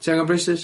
Ti angen braces?